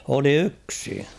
oli yksi